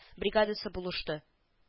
Бригадасы булышты